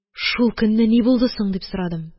Шул көнне ни булды соң? – дип сорадым.